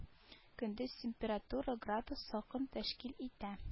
Көндез температура - градус салкын тәшкил итә